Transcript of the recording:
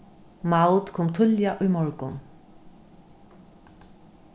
maud kom tíðliga í morgun